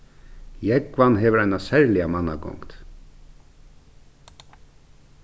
jógvan hevur eina serliga mannagongd